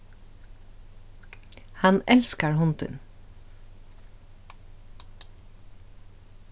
hann elskar hundin